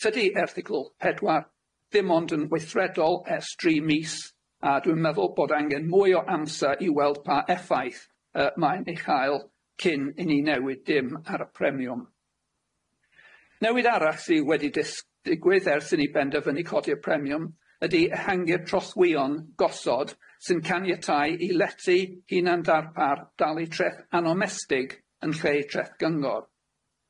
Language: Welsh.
Tydi erthygl pedwar ddim ond yn weithredol ers dri mis a dwi'n meddwl bod angen mwy o amser i weld pa effaith yy mae'n ei chael cyn i ni newid dim ar y premiwm. Newid arall sy wedi dis- digwydd ers i ni bender fyny codi'r premiwm ydi ehangu'r trothwyon gosod sy'n caniatáu i letu hunan darpar dalu treth anomestig yn lle treth gyngor.